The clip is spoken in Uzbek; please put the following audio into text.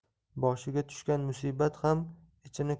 boshiga tushgan musibat ham ichini